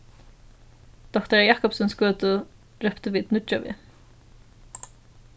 doktara jacobsens gøtu róptu vit nýggjaveg